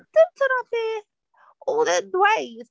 Dim dyna beth oedd e'n dweud!